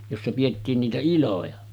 jossa pidettiin niitä iloja